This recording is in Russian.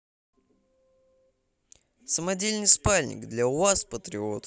самодельный спальник для уаз патриот